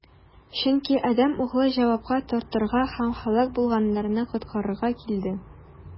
Чөнки Адәм Углы җавапка тартырга һәм һәлак булганнарны коткарырга килде.